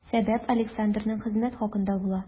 Сәбәп Александрның хезмәт хакында була.